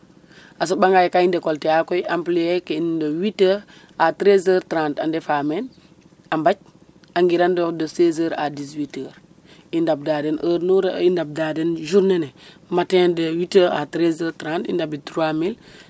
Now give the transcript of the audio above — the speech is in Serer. A soɓanga yee ga i ndekolte'a koy employer ke in de 8 heure a 13 heure 30 a ndefa meen a mbac a nqirandoox de 16 heures a 18 heure i ɗabda den heures nu i ɗabda den journée matin de 8 heures à 13 heures 30 i ɗabid 3000